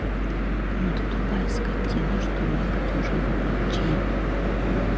ну ты тупая скотина что нибудь уже включи